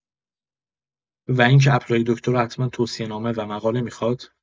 و اینکه اپلای دکترا حتما توصیه‌نامه و مقاله میخواد؟